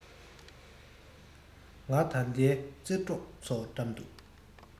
ང དང དའི རྩེ གྲོགས འཚོ གྲམ དུ